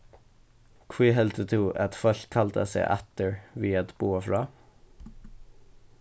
hví heldur tú at fólk halda seg aftur við at boða frá